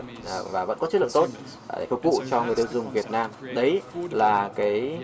và vẫn có chất lượng tốt phục vụ cho người tiêu dùng việt nam đấy là cái